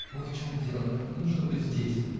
Вот в чем дело, мне нужно быть здесь